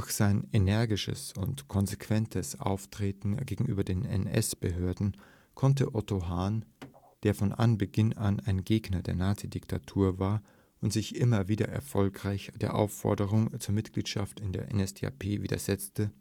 sein energisches und konsequentes Auftreten gegenüber den NS-Behörden konnte Otto Hahn, der von Anbeginn ein Gegner der Nazi-Diktatur war und sich immer wieder erfolgreich der Aufforderung zur Mitgliedschaft in der NSDAP widersetzte